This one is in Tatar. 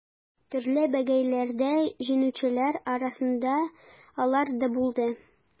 Төрле бәйгеләрдә җиңүчеләр арасында алар да булды.